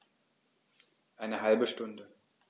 Eine halbe Stunde